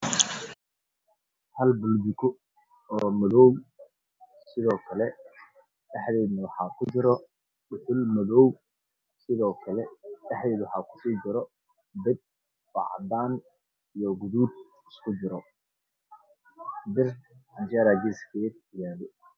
Hal burjiko oo madow waxaa kujirto dhuxul madow, waxaa kusii jiro dab oo cadaan iyo gaduud ah, bir canjeelo ayaa gees kataalo.